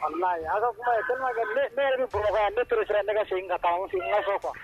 Ne ne sera ne nɛgɛ ka taa